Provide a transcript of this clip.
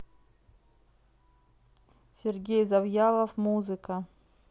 сергей завьялов музыка